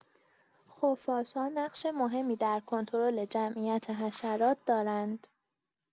خفاش‌ها نقش مهمی در کنترل جمعیت حشرات دارند.